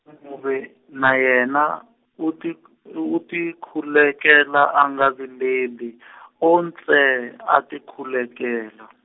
-muvi na yena, u tik- u u tikhulukela a nga vileli , o ntsee a tikhulukela.